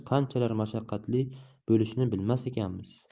qanchalar mashaqqatli bo'lishini bilmas ekanmiz